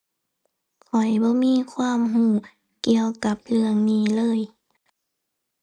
ข้อยบ่มีความรู้เกี่ยวกับเรื่องนี้เลย